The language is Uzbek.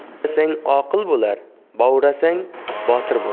avrasang oqil bo'lar bovrasang botir bo'lar